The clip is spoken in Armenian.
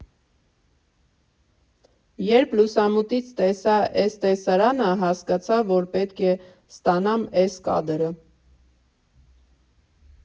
Երբ լուսամուտից տեսա էս տեսարանը, հասկացա, որ պետք է ստանամ էս կադրը։